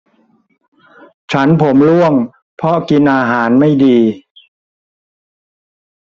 ฉันผมร่วงเพราะกินอาหารไม่ดี